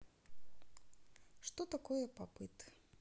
что такое попыт